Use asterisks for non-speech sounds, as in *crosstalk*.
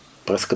*hesitation*